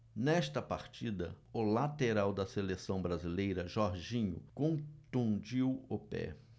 nesta partida o lateral da seleção brasileira jorginho contundiu o pé